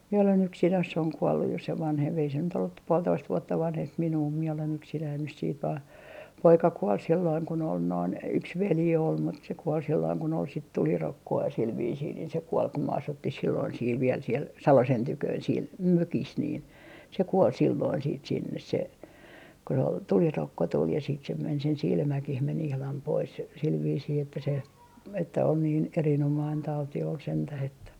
minä olen yksin - on kuollut jo se vanhempi ei se nyt ollut - puolitoista vuotta vanhempi minua minä olen yksinäni nyt sitten vain poika kuoli silloin kun olin noin yksi veli oli mutta se kuoli silloin kun oli sitten tulirokkoa sillä viisiin niin se kuoli kun me asuttiin silloin siellä vielä siellä Salosen tykönä siellä mökissä niin se kuoli silloin sitten sinne se kun se oli tulirokko tuli ja sitten se meni sen silmäkin meni ihan pois sillä viisiin että se että on niin erinomainen tauti oli sentään että